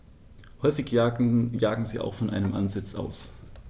Häufig jagen sie auch von einem Ansitz aus.